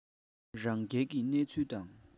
རང རྒྱལ གྱི གནས ཚུལ དང